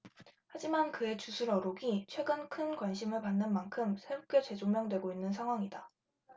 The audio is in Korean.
하지만 그의 주술 어록이 최근 큰 관심을 받는 만큼 새롭게 재조명되고 있는 상황이다